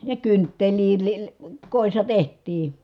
ja kynttilöitä - kodissa tehtiin